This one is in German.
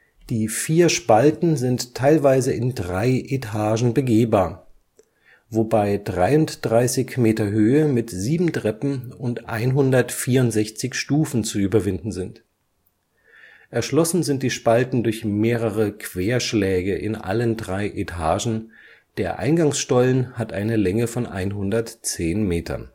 Die vier Spalten sind teilweise in drei Etagen begehbar, wobei 33 Meter Höhe mit sieben Treppen und 164 Stufen zu überwinden sind. Erschlossen sind die Spalten durch mehrere Querschläge in allen drei Etagen, der Eingangsstollen hat eine Länge von 110 Metern